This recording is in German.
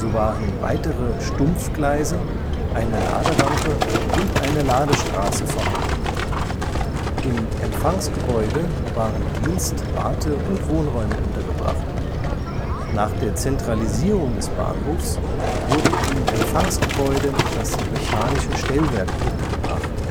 waren weitere Stumpfgleise, eine Laderampe und eine Ladestraße vorhanden. Im Empfangsgebäude waren Dienst -, Warte - und Wohnräume untergebracht. Nach der Zentralisierung des Bahnhofs wurde im Empfangsgebäude das Mechanische Stellwerk untergebracht